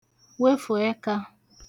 wefụ̀ ẹkā